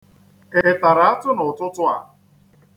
Ị tara atụ n'ụtụtụ a?